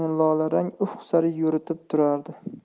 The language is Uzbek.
lolarang ufq sari yo'ritib turardi